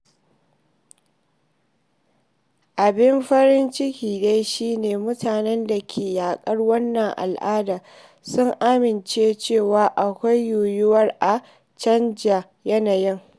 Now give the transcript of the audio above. Abin farin cikin dai shi ne mutanen da ke yaƙar wannan al'ada sun amince cewa akwai yiwuwar a canja yanayin.